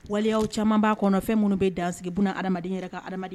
Waleyaw caman b'a kɔnɔ fɛn minnu bɛ dan sigi bunan adamaden yɛrɛ ka adamadenya la